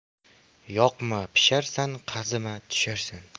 yoqma pisharsan qazima tusharsan